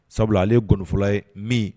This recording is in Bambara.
Sabula ale ye gɔnifɔla ye min